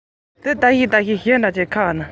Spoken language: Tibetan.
བརྩེ དུང མེད པར མིག གིས